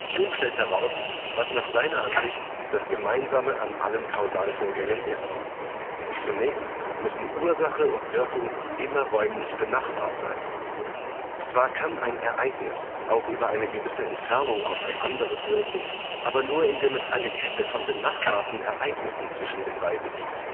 Hume stellt heraus, was nach seiner Ansicht das Gemeinsame an allen Kausalvorgängen ist. Zunächst müssen Ursache und Wirkung immer räumlich benachbart sein. Zwar kann ein Ereignis auch über eine gewisse Entfernung auf ein anderes wirken, aber nur indem es eine Kette von benachbarten Ereignissen zwischen den beiden gibt